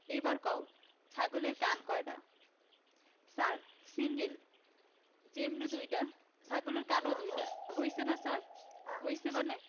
এইবার কও ছাগলের কান কয়ডা ছার সিংগেল যেমুন দুইডা ছাগলের কানও দুইডা হইছে না ছার হইছে মানে